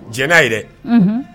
Jɛn n'a ye dɛ, unhun